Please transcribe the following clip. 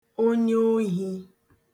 onyeohī